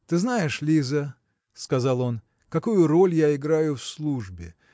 – Ты знаешь, Лиза, – сказал он, – какую роль я играю в службе